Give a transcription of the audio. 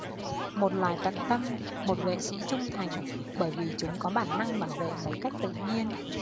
một loài tận tâm một vệ sỹ trung thành bởi vì chúng có bản năng bảo vệ một cách tự nhiên